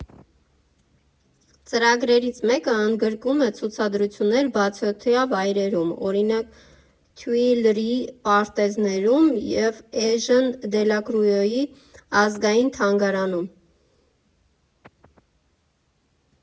Ծրագրերից մեկը ընդգրկում է ցուցադրություններ բացօթյա վայրերում, օրինակ՝ Թյուիլրի պարտեզներում և Էժեն Դելակրուայի ազգային թանգարանում։